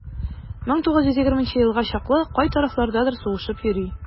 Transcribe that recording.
1920 елга чаклы кай тарафлардадыр сугышып йөри.